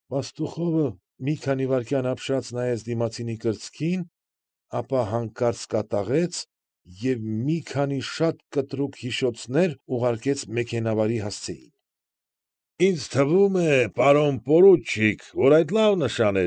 Պաստուխովը մի քանի վայրկյան ապշած նայեց դիմացինի կրծքին, ապա հանկարծ կատաղեց և մի քանի շատ կտրուկ հիշոցներ ուղարկեց մեքենավարի հասցեին։ ֊ Ինձ թվում է, պարոն պորուչիկ, որ այդ լավ նշան։